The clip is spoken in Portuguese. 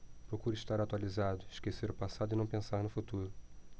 procuro estar atualizado esquecer o passado e não pensar no futuro